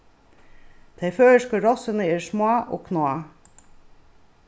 tey føroysku rossini eru smá og kná